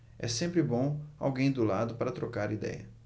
é sempre bom alguém do lado para trocar idéia